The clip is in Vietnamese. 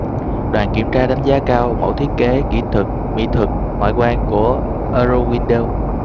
đoàn kiểm tra đánh gia cao mẫu thiết kế kỹ thuật mỹ thuật ngoại quan của eurowindow